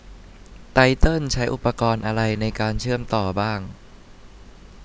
ไตเติ้ลใช้อุปกรณ์อะไรในการเชื่อมต่อบ้าง